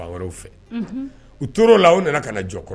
U tora la u